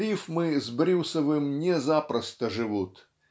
Рифмы с Брюсовым не запросто живут.